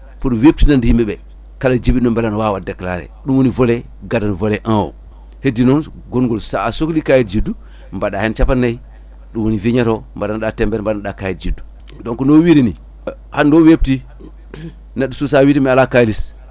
pour webtinande yimɓeɓe kala jibinɗo beele ne wawa wat déclaré ɗum volet gadano volet 1o heddi noon gongol sa sohli kayit juddu mbaɗa hen capannayyi ɗum woni vignette o mbaɗonnoɗa temedere mbaɗane ɗa kayit juddu donc no wirini hande o webti neɗɗo susa wiide mi ala kaliss